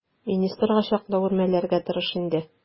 Министрга чаклы үрмәләргә тырыш инде.